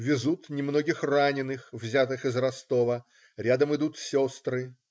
Везут немногих раненых, взятых из Ростова, рядом идут сестры.